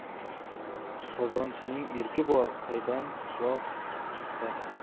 qozonchining erki bor qaydan quloq chiqarsa